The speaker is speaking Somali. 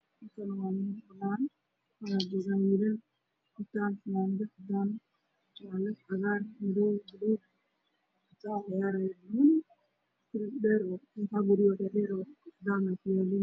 Meeshan waa meel xeeb ah waxaa banaanka tahay wiilal fara badan biyaha bada waa bloog